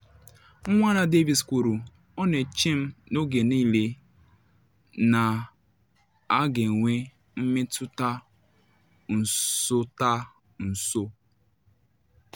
Nwada Davis kwuru: “Ọ na eche m oge niile na a ga-enwe mmetụta nsotanso.”